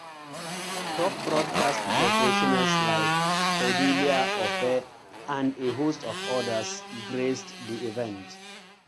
Top broadcast professionals like Cordelia Okpei and a host of others graced the event.